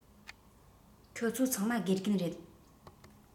ཁྱོད ཚོ ཚང མ དགེ རྒན རེད